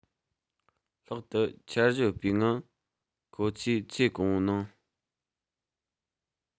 ལྷག ཏུ འཆར གཞི ཡོད པའི ངང ཁོ ཚོས ཚེ གང བོའི ནང